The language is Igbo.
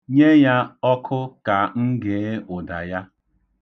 Nye ya ọkụ ka m gee ụda ya.